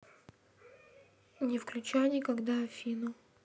не включай никогда афину